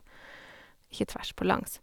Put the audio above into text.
Ikke tvers, på langs.